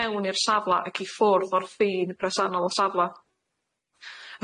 mewn i'r safla ac i ffwrdd o'r ffin presennol y safla.